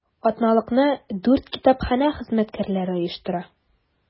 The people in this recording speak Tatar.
Атналыкны дүрт китапханә хезмәткәрләре оештыра.